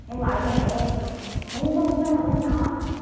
em gọi cho mẹ em em run quá em không dám nói